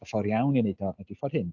y ffordd iawn i wneud o ydy ffordd hyn.